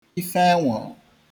ife enwụ̀rụ̀